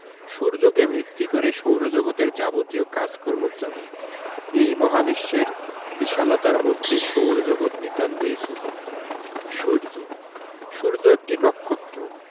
সূর্যকে ভিত্তি করে সৌরজগতের যাবতীয় কাজকর্ম চলে এই মহাবিশ্বের বিশালতার মধ্যে সৌরজগৎ নিতান্তই ছোট সূর্যঃ সূর্য একটি নক্ষত্র